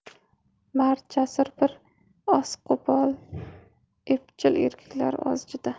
mard jasur bir oz qo'pol epchil erkaklar oz juda